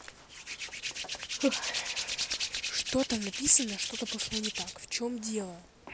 что там написано что то пошло не так в чем дело